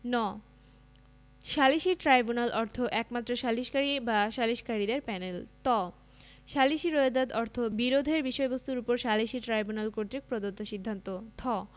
ণ সালিসী ট্রাইব্যুনাল অর্থ একমাত্র সালিসকারী বা সালিসকারীদের প্যানেল ত সালিসী রোয়েদাদ অর্থ বিরোধের বিষয়বস্তুর উপর সালিসী ট্রাইব্যুনাল কর্তৃক প্রদত্ত সিদ্ধান্ত থ